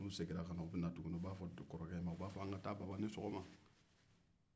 n'u seginna ka na u b'a fɔ kɔrɔkɛ an taa fɔ baba ni sɔgɔma